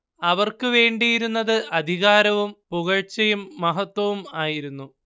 അവർക്കുവേണ്ടിയിരുന്നത് അധികാരവും പുകഴ്ച്ചയും മഹത്ത്വവും ആയിരുന്നു